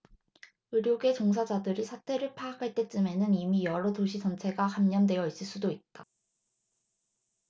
의료계 종사자들이 사태를 파악할 때쯤에는 이미 여러 도시 전체가 감염되어 있을 수도 있다